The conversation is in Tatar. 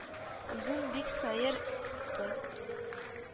Үзен бик сәер тотты.